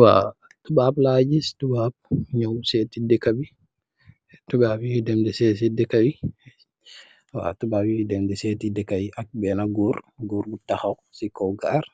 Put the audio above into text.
Waw toubab la giss toubab nug sete dekabi toubab yuye dem de sete deka yee waw toubab yuye dem de sete dekayee ak bena goor goor bu tahaw se kaw gaal